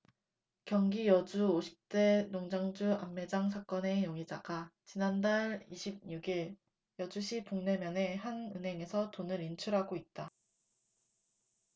경기 여주 오십 대 농장주 암매장 사건의 용의자가 지난달 이십 육 일 여주시 북내면의 한 은행에서 돈을 인출하고 있다